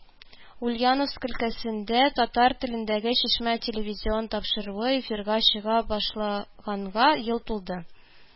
Ульяновск өлкәсендә татар телендәге “Чишмә” телевизион тапшыруы эфирга чыга башлаганга ел тулды